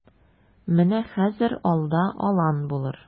Менә хәзер алда алан булыр.